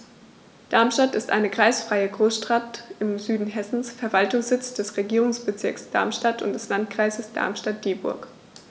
Darmstadt ist eine kreisfreie Großstadt im Süden Hessens, Verwaltungssitz des Regierungsbezirks Darmstadt und des Landkreises Darmstadt-Dieburg.